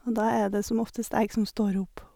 Og da er det som oftest jeg som står opp.